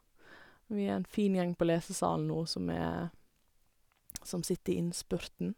Vi er en fin gjeng på lesesalen nå som er som sitter i innspurten.